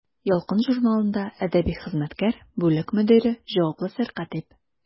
«ялкын» журналында әдәби хезмәткәр, бүлек мөдире, җаваплы сәркәтиб.